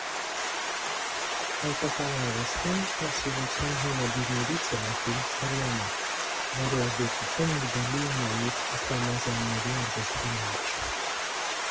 Հայկական արվեստում այս ուղղության հիմնադիրներից է Մարտիրոս Սարյանը, որի ազդեցությունը զգալի է նաև Ասլամազյանների արվեստի մեջ։